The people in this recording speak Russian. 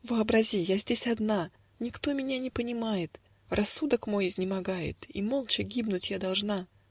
Вообрази: я здесь одна, Никто меня не понимает, Рассудок мой изнемогает, И молча гибнуть я должна.